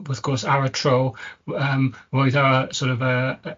Wrth gwrs ar y tro r- yym roedd yr sor' of yy yy